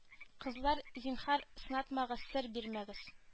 Кызлар зинһар сынатмагыз сер бирмәгез